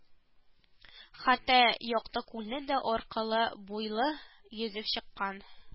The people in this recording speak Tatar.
Хәтта яктыкүлне дә аркылы-буйлы йөзеп чыккан